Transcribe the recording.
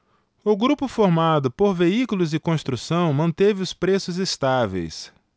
o grupo formado por veículos e construção manteve os preços estáveis